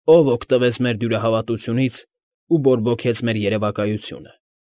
Ո՞վ օգտվեց մեր դյուրահավատությունից և բորբոքեց մեր երևակայությունը։